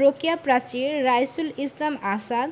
Rokeya Prachi Raisul Islam Asad